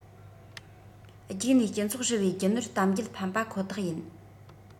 རྒྱུགས ནས སྤྱི ཚོགས ཧྲིལ པོའི རྒྱུ ནོར གཏམ རྒྱུད ཕམ པ ཁོ ཐག ཡིན